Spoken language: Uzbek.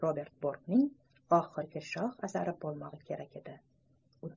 robert brokning oxirgi shoh asari bo'lmog'i kerak edi